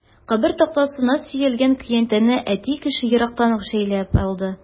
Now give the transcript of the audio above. Кабер тактасына сөялгән көянтәне әти кеше ерактан ук шәйләп алды.